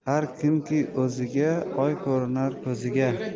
har kimniki o'ziga oy ko'rinar ko'ziga